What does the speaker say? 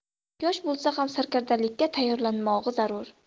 yosh bo'lsa ham sarkardalikka tayyorlanmog'i zarur